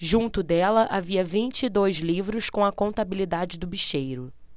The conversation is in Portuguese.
junto dela havia vinte e dois livros com a contabilidade do bicheiro